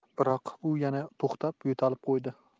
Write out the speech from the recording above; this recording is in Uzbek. biroq u yana to'xtab yo'talib qo'ydi